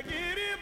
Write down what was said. Hɛrɛ